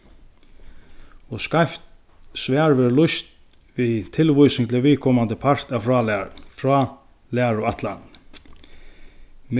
og skeivt svar verður lýst við tilvísing til viðkomandi part av frálæruni frálæruætlanini